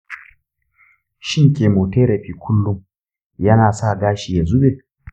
shin chemotherapy kullum yana sa gashi ya zube?